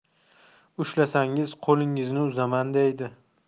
ushlasangiz qo'lingizni uzaman deydi